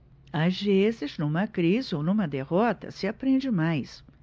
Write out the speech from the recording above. às vezes numa crise ou numa derrota se aprende mais